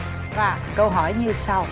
và câu hỏi như sau